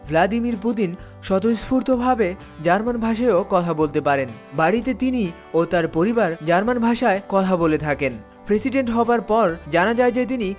Vladimir Putin স্বতঃস্ফূর্তভাবে German ভাষায় কথা বলতে পারেন বাড়িতে তিনি ও তার পরিবার জার্মান ভাষায় কথা বলে থাকেন প্রেসিডেন্ট হবার পর জানা যায় যে তিনি